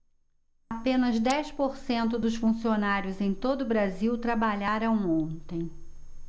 apenas dez por cento dos funcionários em todo brasil trabalharam ontem